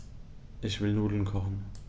Ich will Nudeln kochen.